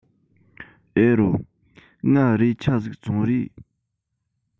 ཨེ རོ ངའ རས ཁྱ ཟིག ཚོང རེས